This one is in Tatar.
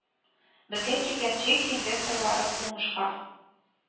Безгә килгән Чехия инвесторлары уңышка